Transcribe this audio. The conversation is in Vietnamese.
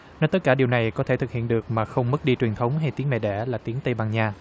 nói tất cả điều này có thể thực hiện được mà không mất đi truyền thống hay tiếng mẹ đẻ là tiếng tây ban nha